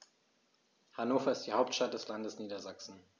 Hannover ist die Hauptstadt des Landes Niedersachsen.